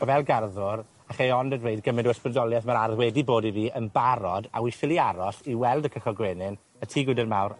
A fel garddwr allai ond a dweud gymint o ysbrydolieth ma'r ardd wedi bod i fi yn barod, a wi ffili aros i weld y cychod gwenyn, y tŷ gwydyr mawr